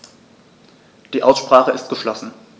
Die Aussprache ist geschlossen.